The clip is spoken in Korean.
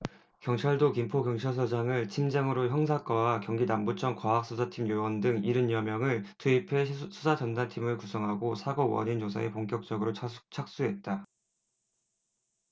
경찰도 김포경찰서장을 팀장으로 형사과와 경기남부청 과학수사팀 요원 등 일흔 여명을 투입해 수사 전담팀을 구성하고 사고 원인 조사에 본격적으로 착수했다